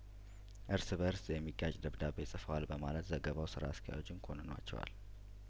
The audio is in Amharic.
እርስ በእርስ የሚጋጭ ደብዱቤ ጽፏል በማለት ዘገባው ስራ አስኪያጁን ኮንኗቸዋል